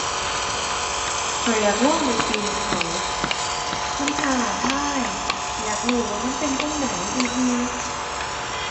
ข้อยอยากลองไปปีนเขามันท้าทาย อยากรู้ว่ามันเป็นจั่งใดซื่อซื่อ